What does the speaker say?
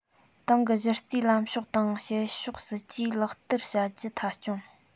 ཏང གི གཞི རྩའི ལམ ཕྱོགས དང བྱེད ཕྱོགས སྲིད ཇུས ལག བསྟར བྱ རྒྱུ མཐའ འཁྱོངས